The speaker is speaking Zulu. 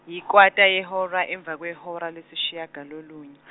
yikwata yehora emva kwehora lesishiyagalolunye.